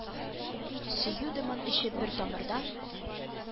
Сөю дымын эчеп бер тамырдан,